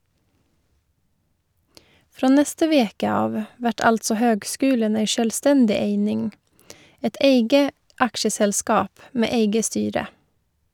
Frå neste veke av vert altså høgskulen ei sjølvstendig eining, eit eige aksjeselskap med eige styre.